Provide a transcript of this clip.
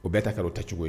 O bɛɛ ta ka u ta cogo ye